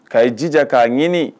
Ka i jija k'a ɲini